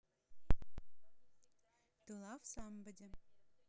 to love somebody